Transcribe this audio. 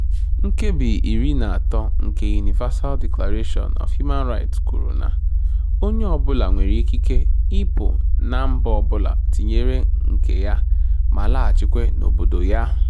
Nkebi 13 nke Universal Declaration of Human Rights kwuru na "Onye ọbụla nwere ikike ịpụ na mba ọbụla, tinyere nke ya, ma laghachikwa n'obodo ya".